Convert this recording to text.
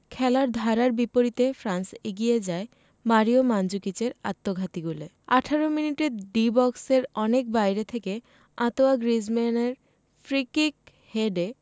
খেলার ধারার বিপরীতে ফ্রান্স এগিয়ে যায় মারিও মানজুকিচের আত্মঘাতী গোলে ১৮ মিনিটে ডি বক্সের অনেক বাইরে থেকে আঁতোয়া গ্রিজমানের ফ্রিকিক হেডে